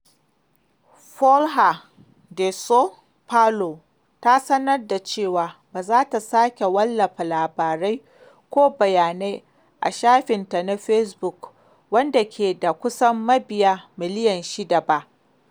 Folha de São Paulo ta sanar da cewa ba za ta sake wallafa labarai ko bayanai a shafinta na Facebook wanda ke da kusan mabiya miliyan shida ba.